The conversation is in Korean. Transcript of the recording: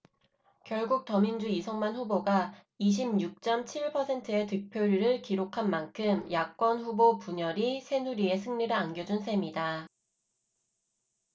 결국 더민주 이성만 후보가 이십 육 쩜 칠 퍼센트의 득표율을 기록한 만큼 야권 후보 분열이 새누리에 승리를 안겨준 셈이다